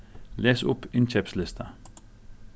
les upp innkeypslista